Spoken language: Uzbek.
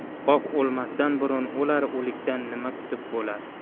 qo'rqoq o'lmasdan burun o'lar o'likdan nima kutib bo'lar